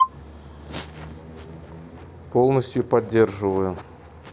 полностью поддерживаю